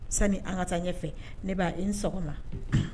Sani an ka taa ɲɛ fɛ, ne b'a i ni sɔgɔma